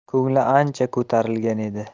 ko'ngli ancha ko'tarilgan edi